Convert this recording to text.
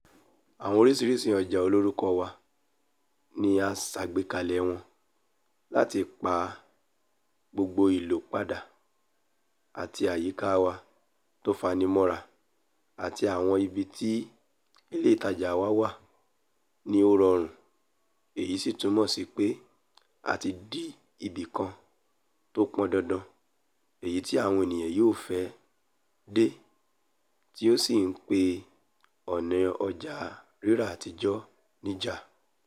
Àwọn oríṣiríṣi ọjà olórúkọ wa ní a ṣàgbékalẹ̀ wọn láti bá gbogbo ìlò pàdé àtipé àyíká wa tó fanimọ́ra àti àwọn ibi tí ilé ìtajà wa wà ni ó rọrùn èyí sì túmọ sípé a ti di ibi kan tó pọn dandan èyití àwọn eniyan yóò fẹ́ dé tí ó sì ńpe ọ̀nà ọjà rírà àtijọ́ níjà.